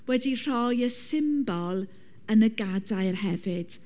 Wedi rhoi y symbol yn y gadair hefyd.